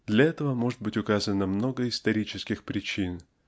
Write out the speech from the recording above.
Для этого может быть указано много исторических причин